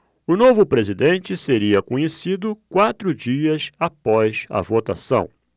o novo presidente seria conhecido quatro dias após a votação